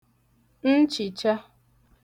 nchìcha